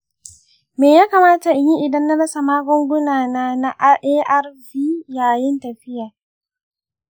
me ya kamata in yi idan na rasa magungunana na arv yayin tafiya?